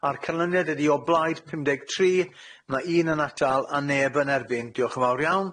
A'r canlyniad ydi o blaid pum deg tri ma' un yn atal a neb yn erbyn diolch yn fawr iawn.